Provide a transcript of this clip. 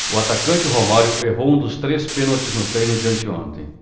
o atacante romário errou um dos três pênaltis no treino de anteontem